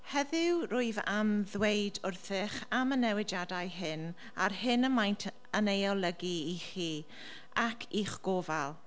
Heddiw rwyf am ddweud wrthych am y newidiadau hyn a'r hyn y maent yn ei olygu i chi ac i'ch gofal.